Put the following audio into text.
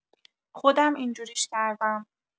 خودم اینجوریش کردم.